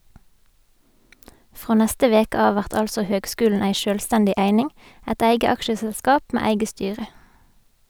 Frå neste veke av vert altså høgskulen ei sjølvstendig eining , eit eige aksjeselskap med eige styre.